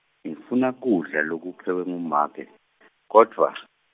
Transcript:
ngifuna kudla lokuphekwe ngumake , kodvwa .